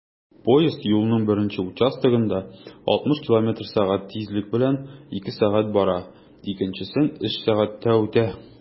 Поезд юлның беренче участогында 60 км/сәг тизлек белән 2 сәг. бара, икенчесен 3 сәгатьтә үтә.